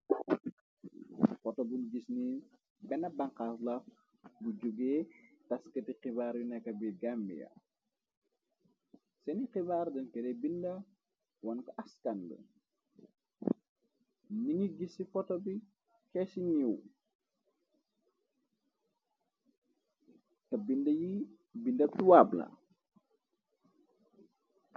Photo bu gisni benn banxaasla bu jógee taskati xibaar yu neka bi gambiya, seni xibaar dënkere binda wank askand ni ngi gis ci photo bi xeesi niw ka bind yi binda tuwaar la.